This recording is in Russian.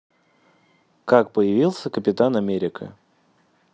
как появился капитан америка